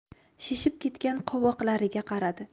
shishib ketgan qovoqlariga qaradi